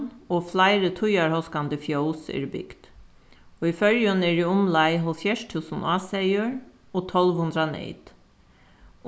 og fleiri tíðarhóskandi fjós eru bygd í føroyum eru umleið hálvfjerðs túsund áseyðir og tólv hundrað neyt